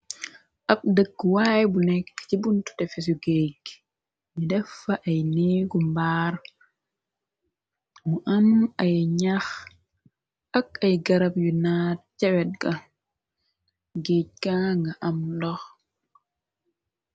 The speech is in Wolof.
Ab dëkku waay bu neeka ci buntu tefesu géejg ni defa ay neegu mbaar mu am ay ñax ak ay garab yu naat sa wetga géej ganga am ndox.